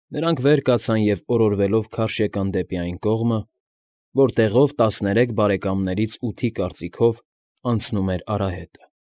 Նրանք վեր կացան և օրորվելով քարշ եկան դեպի այն կողմը, որտեղով, տասներեք բարեկամներից ութի կարծիքով, անցնում էր արահետը։